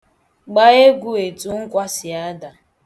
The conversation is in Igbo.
Gbaa egwu etu nkwa si ada.